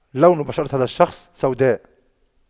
لون بشرة هذا الشخص سوداء